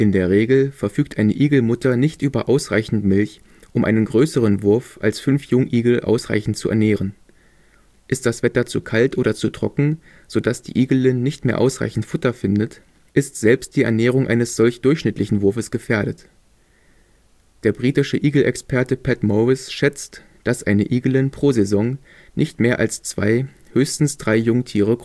der Regel verfügt eine Igelmutter nicht über ausreichend Milch, um einen größeren Wurf als fünf Jungigel ausreichend zu ernähren. Ist das Wetter zu kalt oder zu trocken, so dass die Igelin nicht mehr ausreichend Futter findet, ist selbst die Ernährung eines solch durchschnittlichen Wurfes gefährdet. Der britische Igelexperte Pat Morris schätzt, dass eine Igelin pro Saison nicht mehr als zwei, höchstens drei Jungtiere